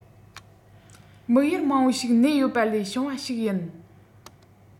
དམིགས ཡུལ མང པོ ཞིག གནས ཡོད པ ལས བྱུང བ ཞིག ཡིན